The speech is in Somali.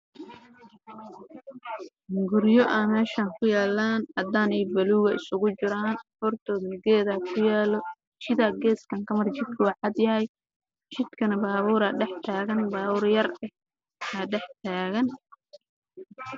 Waa guryo dabaq ah midabkiis yahay caddaan madow